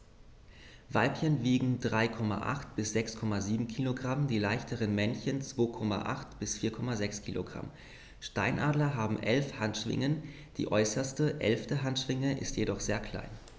Weibchen wiegen 3,8 bis 6,7 kg, die leichteren Männchen 2,8 bis 4,6 kg. Steinadler haben 11 Handschwingen, die äußerste (11.) Handschwinge ist jedoch sehr klein.